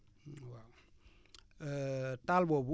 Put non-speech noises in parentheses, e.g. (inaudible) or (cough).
(hesitation) waaw (hesitation) taal boobu